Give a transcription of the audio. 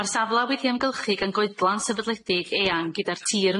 Ma'r safle wedi ymgylchu gan goedlan sefydledig eang gyda'r tir